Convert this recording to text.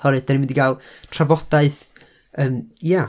Oherwydd dan ni'n mynd i gael trafodaeth, yym, ia.